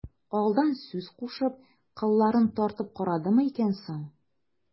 Алдан сүз кушып, кылларын тартып карадымы икән соң...